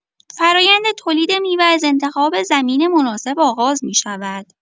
فرایند تولید میوه از انتخاب زمین مناسب آغاز می‌شود.